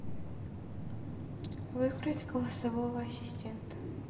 выбрать голосового ассистента